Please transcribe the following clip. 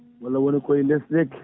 walla woni koye less lekki